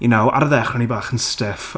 You know ar y dechrau o'n i bach yn stiff...